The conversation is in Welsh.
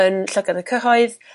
yn llygad y cyhoedd